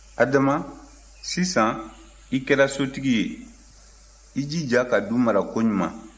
adama sisan i kɛra sotigi ye i jija ka du mara koɲuman